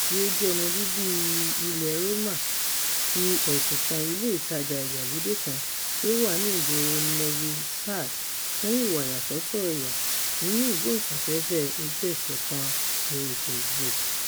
tí ó jẹ́ ọmọ bíbí ilẹ̀ Roma fi ẹ̀sùn kan ilé ìtajà-ìgbàlóde kan tí ó wà ní ìgboro Novi Sad fún ìwà ìyàsọ́tọ̀ ẹ̀yà nínú ìgbóhùnsáfẹ́fẹ́ ojú-ẹsẹ̀ kan lórí Facebook.